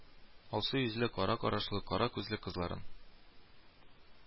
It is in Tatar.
Алсу йөзле, кара кашлы, кара күзле кызларын